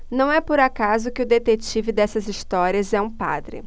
não é por acaso que o detetive dessas histórias é um padre